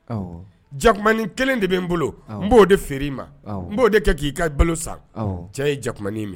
Jakuma kelen de bɛ n bolo n b'o de feere i ma no de ka ka balo san cɛ ye jakuma min